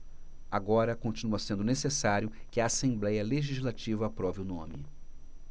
agora continua sendo necessário que a assembléia legislativa aprove o nome